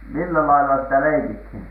millä lailla sitä leikittiin